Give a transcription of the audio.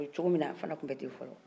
o bɛ cogo min na an fana tun bɛ ten fɔlɔ